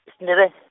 isNdebe-.